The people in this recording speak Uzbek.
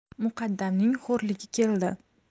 muqaddamning xo'rligi keldi